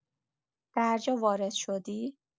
درجا وارد شدی؟